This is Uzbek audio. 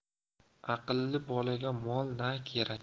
aqlli bolaga mol na kerak